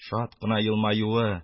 Шат кына елмаюы,